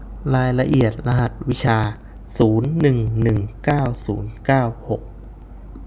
รายละเอียดรหัสวิชาศูนย์หนึ่งหนึ่งเก้าศูนย์เก้าหก